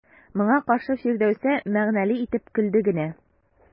Моңа каршы Фирдәүсә мәгънәле итеп көлде генә.